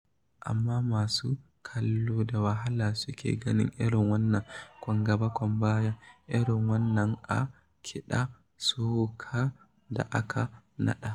Amma masu kallo da wahala suke ganin irin wanan kwan-gaba-kwan-baya irin wannan a kiɗa socar da aka naɗa.